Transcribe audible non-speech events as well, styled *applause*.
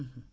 *hesitation* *hesitation*